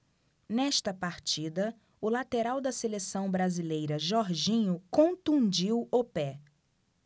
nesta partida o lateral da seleção brasileira jorginho contundiu o pé